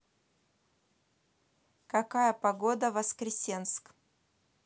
какая погода воскресенск